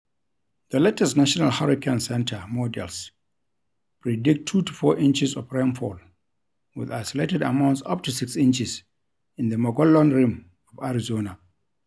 The latest National Hurricane Center models predict 2 to 4 inches of rainfall, with isolated amounts up to 6 inches in the Mogollon Rim of Arizona.